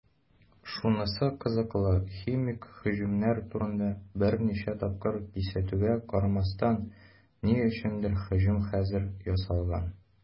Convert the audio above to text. Шунысы кызыклы, химик һөҗүмнәр турында берничә тапкыр кисәтүгә карамастан, ни өчендер һөҗүм хәзер ясалган.